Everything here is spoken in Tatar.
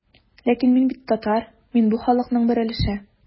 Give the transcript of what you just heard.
Ләкин мин бит татар, мин бу халыкның бер өлеше.